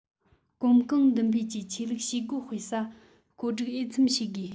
གོམ གང མདུན སྤོས ཀྱིས ཆོས ལུགས བྱེད སྒོ སྤེལ ས བཀོད སྒྲིག འོས འཚམ བྱེད དགོས